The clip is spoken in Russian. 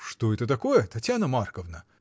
— Что это такое, Татьяна Марковна?